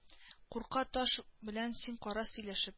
Курка таш белән син кара сөйләшеп